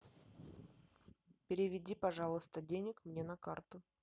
переведи пожалуйста денег мне на карту